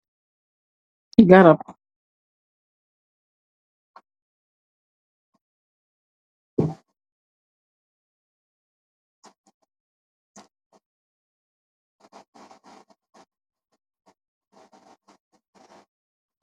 Garaab